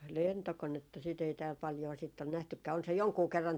lentokonetta sitä ei täällä paljoa sitten ole nähtykään on se jonkun kerran